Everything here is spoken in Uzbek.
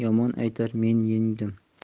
yomon aytar men yengdim